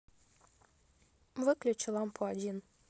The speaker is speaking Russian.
выключи лампу один